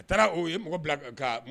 A taara o ye mɔgɔ bila ka